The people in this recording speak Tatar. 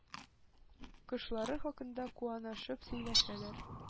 Кошлары хакында куанышып сөйләшәләр,